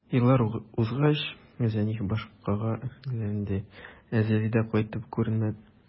Еллар узгач, Зәниф башкага өйләнде, ә Зәлидә кайтып күренмәде.